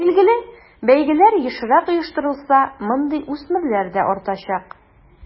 Билгеле, бәйгеләр ешрак оештырылса, мондый үсмерләр дә артачак.